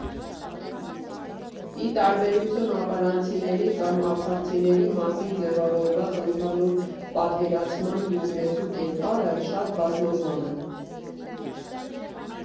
Ի տարբերություն ապարանցիների կամ արցախցիների մասին ձևավորված ընդհանուր պատկերացման՝ գյումրեցու կերպարը շատ բազմազան է.